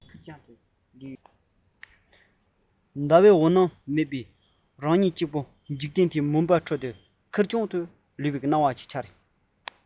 ཟླ བའི འོད སྣང མེད པས རང ཉིད གཅིག པུ འཇིག རྟེན འདིའི མུན པའི ཁྲོད ཁེར རྐྱང དུ ལུས ཡོད པའི སྣང བ འཆར